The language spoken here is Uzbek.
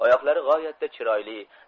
oyoqlari g'oyatda chiroyli